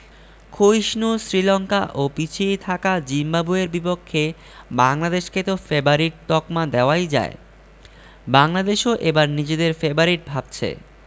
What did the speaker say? ক্ষয়িষ্ণু শ্রীলঙ্কা ও পিছিয়ে থাকা জিম্বাবুয়ের বিপক্ষে বাংলাদেশকে তো ফেবারিট তকমা দেওয়াই যায় বাংলাদেশও এবার নিজেদের ফেবারিট ভাবছে